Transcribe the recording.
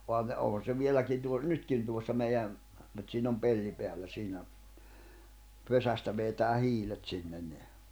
onhan ne onhan se vieläkin - nytkin tuossa meidän mutta siinä on pelti päällä siinä pesästä vetää hiilet sinne niin